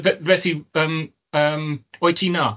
F- Felly, yym, yym oedd ti na?